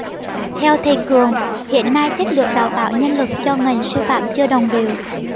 theo thầy cường hiện nay chất lượng đào tạo nhân lực cho ngành sư phạm chưa đồng đều